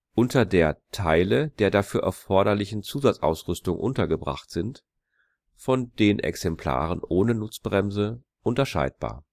unter der Teile der dafür erforderlichen Zusatzausrüstung untergebracht sind, von den Exemplaren ohne Nutzbremse unterscheidbar